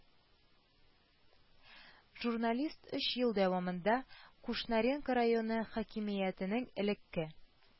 Журналист өч ел дәвамында Кушнаренко районы хакимиятенең элекке